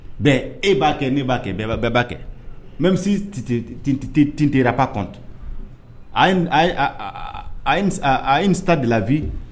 Bɛn e b'a kɛ ne b'a kɛ bɛɛ bɛɛ ba kɛ mɛ misi t t tɛraba a ye misita dilanlafi